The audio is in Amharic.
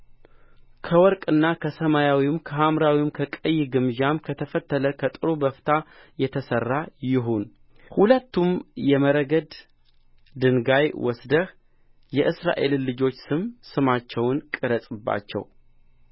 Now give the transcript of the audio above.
ከወርቅና ከሰማያዊ ከሐምራዊ ከቀይ ግምጃም ከተፈተለ ከጥሩ በፍታም የተሠራ ይሁን ሁለትም የመረግድ ድንጋይ ወስደህ የእስራኤልን ልጆች ስም ስማቸውን ቅረጽባቸው